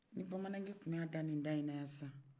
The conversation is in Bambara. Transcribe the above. ni bamanankɛ tun y'a da nin da in na yan sisan